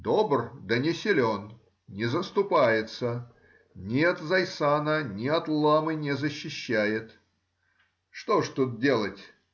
добр, да не силен,— не заступается,— ни от зайсана, ни от ламы не защищает. Что же тут делать?